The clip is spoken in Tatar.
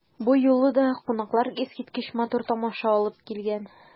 Бу юлы да кунаклар искиткеч матур тамаша алып килгән.